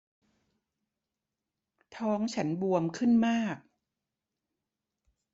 ท้องฉันบวมขึ้นมาก